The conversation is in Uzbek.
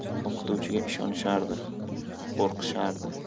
o'qituvchiga ishonishardi ko'rqishardi